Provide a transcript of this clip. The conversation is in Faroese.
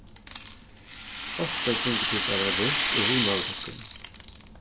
ofta gingu tit bara runt og hugnaðu tykkum